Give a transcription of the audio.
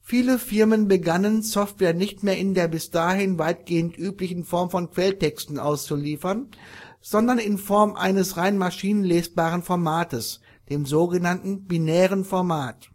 Viele Firmen begannen, Software nicht mehr in der bis dahin weitgehend üblichen Form von Quelltexten auszuliefern, sondern in Form eines rein maschinenlesbaren Formates, dem sogenannten binären Format